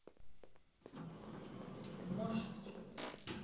ты можешь обсикаться